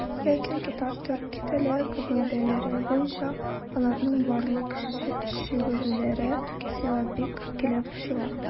Ләкин татар-төрки теле кагыйдәләре буенча аларның барлык шигырьләре силлабик килеп чыга.